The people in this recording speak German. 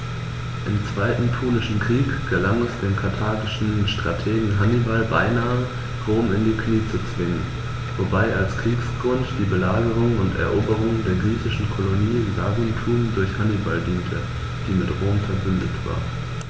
Im Zweiten Punischen Krieg gelang es dem karthagischen Strategen Hannibal beinahe, Rom in die Knie zu zwingen, wobei als Kriegsgrund die Belagerung und Eroberung der griechischen Kolonie Saguntum durch Hannibal diente, die mit Rom „verbündet“ war.